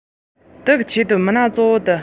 མི སྣ གཙོ བོ བརྩེ དུང ལ ཁ གཡར ནས